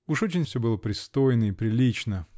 Уж очень все было пристойно и прилично .